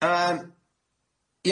Yym.